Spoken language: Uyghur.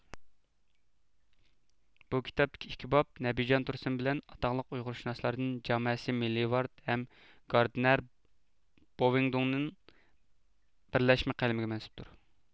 بۇ كىتابتىكى ئىككى باب نەبىجان تۇرسۇن بىلەن ئاتاقلىق ئۇيغۇرشۇناسلاردىن جامەسى مىللىۋارد ھەم گاردنەر بوۋىڭدوننىڭ بىرلەشمە قەلىمىگە مەنسۇپتۇر